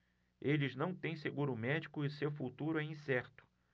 eles não têm seguro médico e seu futuro é incerto